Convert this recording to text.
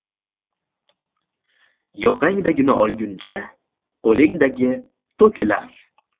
yoqangdagini olguncha qo'lingdagi to'kilar